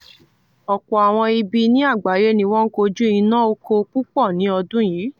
Ọ̀pọ̀ àwọn ibi ní àgbáyé ni wọ́n kojú iná oko púpọ̀ ní ọdún yìí.